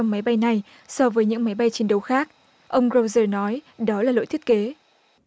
máy bay này so với những máy bay chiến đấu khác ông râu dờ nói đó là lỗi thiết kế